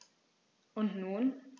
Und nun?